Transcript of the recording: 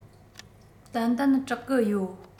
ཏན ཏན སྐྲག གི ཡོད